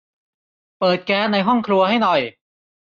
เปิดแก๊สที่ห้องครัวให้หน่อย